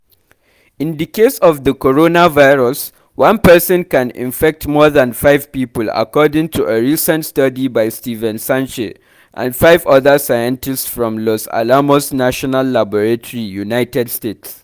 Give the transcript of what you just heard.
In the case of the coronavirus, one person can infect more than five people, according to a recent study by Steven Sanche and five other scientists from Los Alamos National Laboratory, United States.